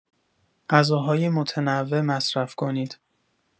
غذاهای متنوع مصرف کنید.